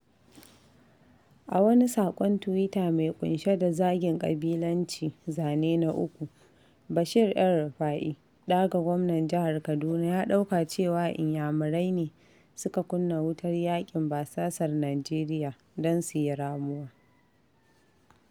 A wani saƙon tuwita mai ƙunshe da zagin ƙabilanci (Zane na 3), Bashir El-Rufai, ɗa ga gwamnan jihar Kaduna ya ɗauka cewa Inyamirai ne su ka kunna wutar yaƙin basasar Nijeriya don su yi ramuwa.